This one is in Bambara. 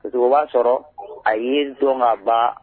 'a sɔrɔ a ye to ma ba